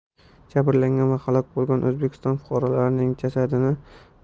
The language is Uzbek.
jabrlangan va halok bo'lgan o'zbekiston fuqarolarining jasadini